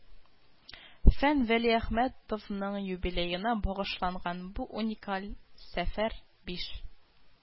Фән Вәлиәхмәтовның юбилеена багышланган бу уникаль сәфәр биш